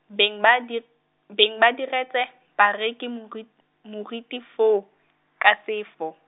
beng ba di-, beng ba diretse, bareki morit-, moriti foo, ka sefo.